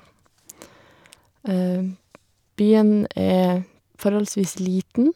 Byen er forholdsvis liten.